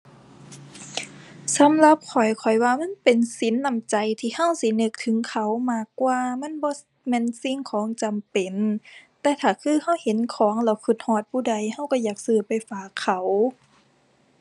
สำหรับข้อย ข้อยว่ามันเป็นสินน้ำใจที่เราสินึกถึงเขามากกว่า มันบ่แม่นสิ่งของจำเป็น แต่ถ้าคือเราเห็นของแล้วเราฮอดผู้ใด เราเราอยากซื้อไปฝากเขา ⁠